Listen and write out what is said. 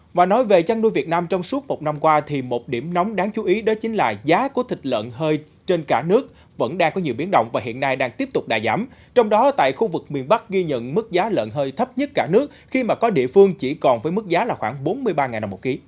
mà nói về chăn nuôi việt nam trong suốt một năm qua thì một điểm nóng đáng chú ý đến chính là giá của thịt lợn hơi trên cả nước vẫn đang có nhiều biến động và hiện đại đạt tiếp tục đà giảm trong đó tại khu vực miền bắc ghi nhận mức giá lợn hơi thấp nhất cả nước khi mà có địa phương chỉ còn với mức giá là khoảng bốn mươi ba ngàn đồng một kí